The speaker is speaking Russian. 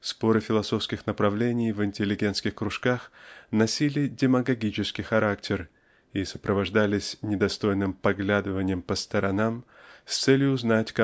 споры философских направлений в интеллигентских кружках носили демагогический характер и сопровождались недостойным поглядыванием по сторонам с целью узнать